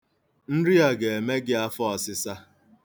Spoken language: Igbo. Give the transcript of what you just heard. Nri a ga-eme gị afọọsịsa.